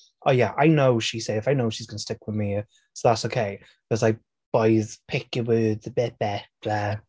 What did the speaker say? "Oh yeah I know she's safe. I know she's going to stick with me, so that's ok." But it's like, boys, pick your words a bit better!